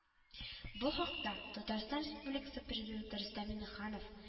Бу хакта Татарстан Республикасы Президенты Рөстәм Миннеханов